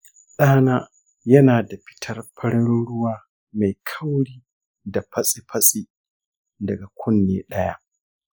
ɗana yana da fitar farin ruwa mai kauri da fatsi-fatsi daga kunne ɗaya